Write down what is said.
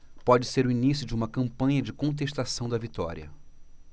pode ser o início de uma campanha de contestação da vitória